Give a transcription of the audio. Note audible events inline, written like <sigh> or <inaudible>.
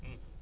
<hesitation> <hesitation>